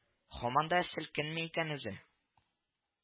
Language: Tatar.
– һаман да селкенми икән үзе